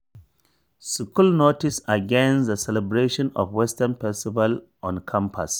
School notice against the celebration of Western festivals on campus.